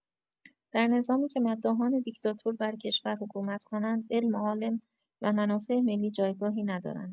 در نظامی که مداحان دیکتاتور بر کشور حکومت کنند، علم و عالم و منافع ملی جایگاهی ندارند.